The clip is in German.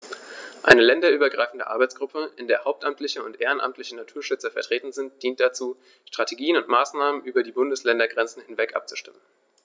Eine länderübergreifende Arbeitsgruppe, in der hauptamtliche und ehrenamtliche Naturschützer vertreten sind, dient dazu, Strategien und Maßnahmen über die Bundesländergrenzen hinweg abzustimmen.